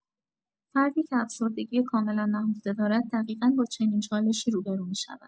فردی که افسردگی کاملا نهفته دارد دقیقا با چنین چالشی روبه‌رو می‌شود.